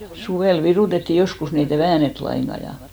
suvella virutettiin joskus niin että ei väännetty lainkaan ja